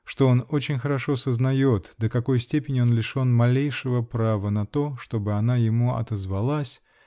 что он очень хорошо сознает, до какой степени он лишен малейшего права на то, чтобы она ему отозвалась